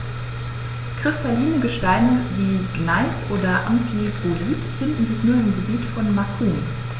Kristalline Gesteine wie Gneis oder Amphibolit finden sich nur im Gebiet von Macun.